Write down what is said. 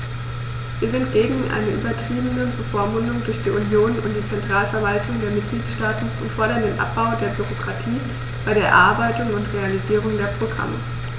Wir sind gegen eine übertriebene Bevormundung durch die Union und die Zentralverwaltungen der Mitgliedstaaten und fordern den Abbau der Bürokratie bei der Erarbeitung und Realisierung der Programme.